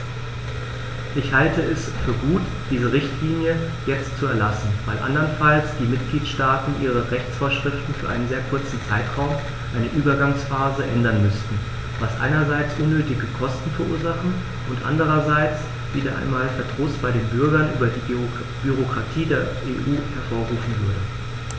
Ich halte es für gut, diese Richtlinie jetzt zu erlassen, weil anderenfalls die Mitgliedstaaten ihre Rechtsvorschriften für einen sehr kurzen Zeitraum, eine Übergangsphase, ändern müssten, was einerseits unnötige Kosten verursachen und andererseits wieder einmal Verdruss bei den Bürgern über die Bürokratie der EU hervorrufen würde.